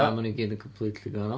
a maen nhw i gyd yn completely gwahanol.